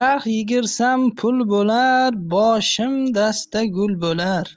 charx yigirsam pul bo'lar boshim dasta gul bo'lar